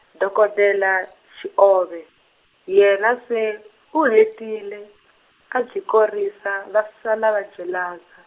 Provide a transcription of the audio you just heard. dokodela Xiove, yena se u hetile, a byi korisa, va sala va jeleza.